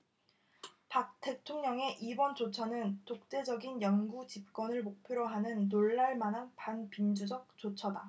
박 대통령의 이번 조처는 독재적인 영구집권을 목표로 하는 놀랄 만한 반민주적 조처다